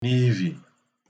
n'ívì